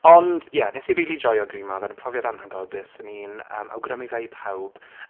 Ond, ie, wnes i rili joio Green Man, oedd e'n profiad anhygoel, bysen i'n yym awgrymu fe i pawb.